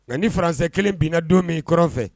Nka niuransɛ kelen binna don min iɔrɔn fɛ